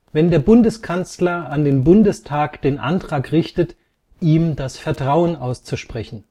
wenn der Bundeskanzler an den Bundestag den Antrag richtet, ihm das Vertrauen auszusprechen